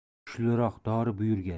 kuchliroq dori buyurgan